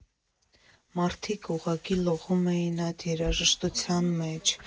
Մարդիկ ուղղակի լողում էին այդ երաժշտության մեջ։